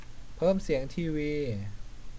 เพิ่มเสียงทีวี